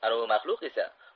anavi mahluq esa